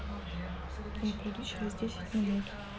я приду через десять минут